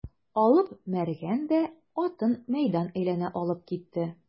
Алып Мәргән дә атын мәйдан әйләнә алып китте.